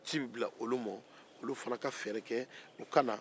ci bɛ bila olu man olu fana ka fɛɛrɛ kɛ o kana